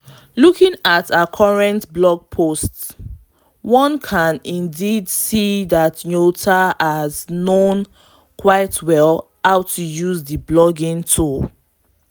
Looking at her current blog posts, one can indeed see that Nyota has known quite well how to use the blogging tool.